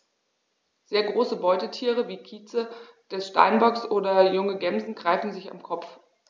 Sehr große Beutetiere wie Kitze des Steinbocks oder junge Gämsen greifen sie am Kopf.